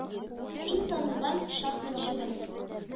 Иң танылган шахматчыбыз